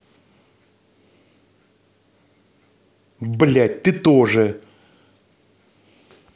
блядь ты тоже